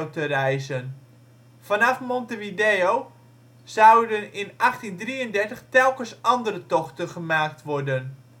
te reizen. Vanaf Montevideo zouden in 1833 telkens andere tochten gemaakt worden